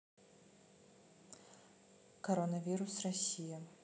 коронавирус россия